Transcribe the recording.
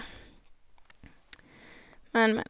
Men, men.